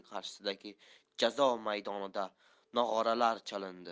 qarshisidagi jazo maydonida nog'oralar chalindi